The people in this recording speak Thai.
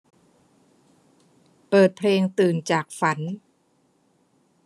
เปิดเพลงตื่นจากฝัน